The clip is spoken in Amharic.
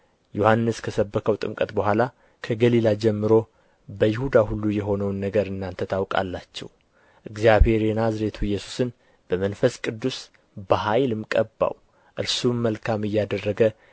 ዮሐንስ ከሰበከው ጥምቀት በኋላ ከገሊላ ጀምሮ በይሁዳ ሁሉ የሆነውን ነገር እናንተ ታውቃላችሁ እግዚአብሔር የናዝሬቱን ኢየሱስን በመንፈስ ቅዱስ በኃይልም ቀባው እርሱም መልካም እያደረገ